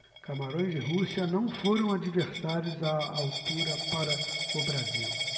camarões e rússia não foram adversários à altura para o brasil